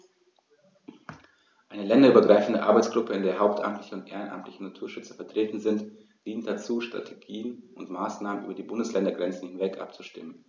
Eine länderübergreifende Arbeitsgruppe, in der hauptamtliche und ehrenamtliche Naturschützer vertreten sind, dient dazu, Strategien und Maßnahmen über die Bundesländergrenzen hinweg abzustimmen.